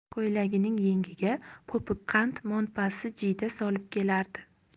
ko'ylagining yengiga popukqand monpasi jiyda solib kelardi